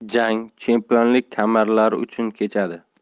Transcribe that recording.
jang chempionlik kamalari uchun kechadi